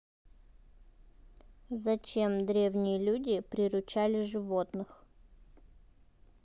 зачем древние люди приручали животных